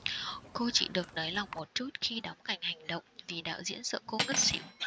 cô chỉ được nới lỏng một chút khi đóng cảnh hành động vì đạo diễn sợ cô ngất xỉu